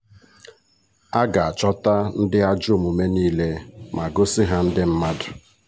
A ga-achọta ndị ajọ omume niile ma gosi ha ndị mmadụ.